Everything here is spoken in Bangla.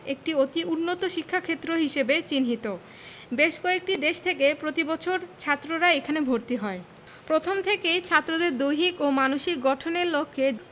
একটি অতি উন্নত শিক্ষাক্ষেত্র হিসেবে চিহ্নিত বেশ কয়েকটি দেশ থেকে প্রতি বছর ছাত্ররা এখানে ভর্তি হয় প্রথম থেকেই ছাত্রদের দৈহিক ও মানসিক গঠনের লক্ষ্যে